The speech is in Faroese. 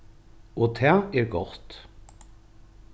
og tað er gott